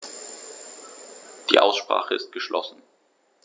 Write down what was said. Die Aussprache ist geschlossen.